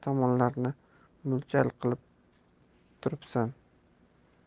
tomonlarni mo'ljal qilib turibsan